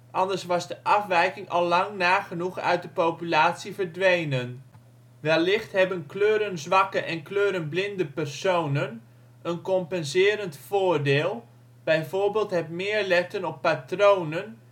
anders was de afwijking allang nagenoeg uit de populatie verdwenen. Wellicht hebben kleurenzwakke en kleurenblinde personen een compenserend voordeel, bijvoorbeeld het meer letten op patronen